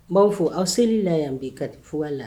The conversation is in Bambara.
N b'a fo aw seli la yan bi Kati fuga la